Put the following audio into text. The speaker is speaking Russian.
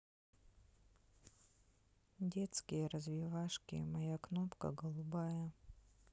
детские развивашки моя кнопка голубая